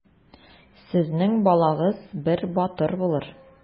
Сезнең балагыз бер батыр булыр.